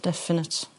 definate.